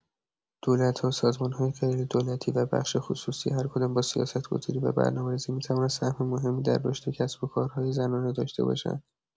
دولت‌ها، سازمان‌های غیردولتی و بخش خصوصی هرکدام با سیاست‌گذاری و برنامه‌ریزی می‌توانند سهم مهمی در رشد کسب‌وکارهای زنانه داشته باشند.